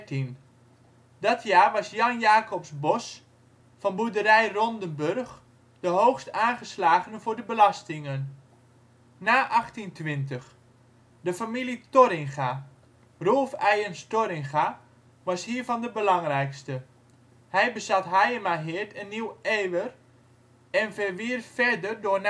in 1813: Dat jaar was Jan Jacobs Bos van boerderij Rondenburg de hoogst aangeslagene voor de belastingen. na 1820: De familie Torringa. Roelf Eijes Torringa (1824-1885) was hiervan de belangrijkste. Hij bezat Hayemaheerd en Nieuw Ewer en verwierf verder door